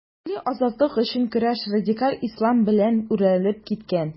Милли азатлык өчен көрәш радикаль ислам белән үрелеп киткән.